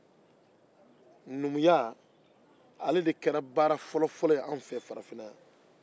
numuya de kɛra baara fɔlɔ ye anw fɛ farafinna yan